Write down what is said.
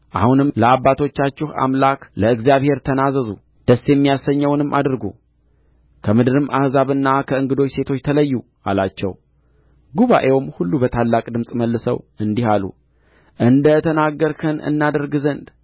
አሁንም ለአባቶቻችሁ አምላክ ለእግዚአብሔር ተናዘዙ ደስ የሚያሰኘውንም አድርጉ ከምድርም አሕዛብና ከእንግዶች ሴቶች ተለዩ አላቸው ጉባኤውም ሁሉ በታላቅ ድምፅ መልሰው እንዲህ አሉ እንደ ተናገርኸን እናደርግ ዘንድ